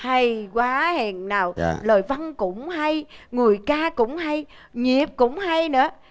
hay quá hèn nào lời văn cũng hay người ca cũng hay nhịp cũng hay nữa